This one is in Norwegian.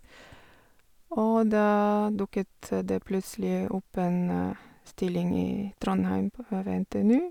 Og da dukket det plutselig opp en stilling i Trondheim på ved NTNU.